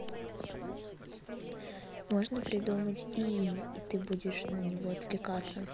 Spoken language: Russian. можно придумать и имя и ты будешь на него отвлекаться